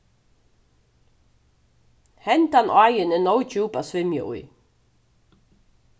hendan áin er nóg djúp at svimja í